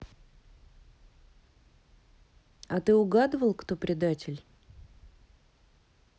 а ты угадывал кто предатель